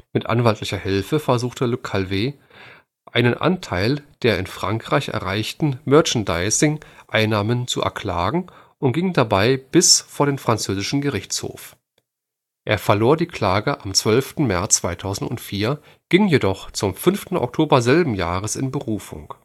Mit anwaltlicher Hilfe versuchte Le Calvez einen Anteil der in Frankreich erreichten Merchandising-Einnahmen zu erklagen und ging dabei bis vor den französischen Gerichtshof. Er verlor die Klage am 12. März 2004, ging jedoch zum 5. Oktober selben Jahres in Berufung